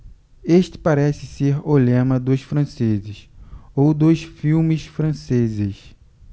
este parece ser o lema dos franceses ou dos filmes franceses